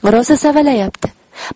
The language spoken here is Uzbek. rosa savalayapti